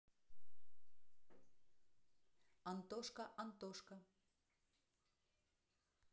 антошка антошка